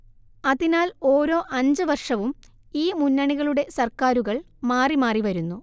അതിനാൽ ഓരോ അഞ്ച് വർഷവും ഈ മുന്നണികളുടെ സർക്കാരുകൾ മാറി മാറി വരുന്നു